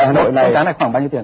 con cá này khoảng bao nhiêu tiền